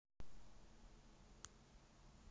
гуляем ночи че